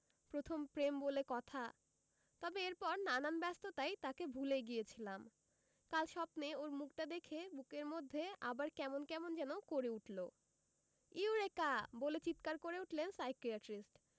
প্রথম প্রেম বলে কথা তবে এরপর নানান ব্যস্ততায় তাকে ভুলেই গিয়েছিলাম কাল স্বপ্নে ওর মুখটা দেখে বুকের মধ্যে আবার কেমন কেমন যেন করে উঠল ‘ইউরেকা বলে চিৎকার করে উঠলেন সাইকিয়াট্রিস্ট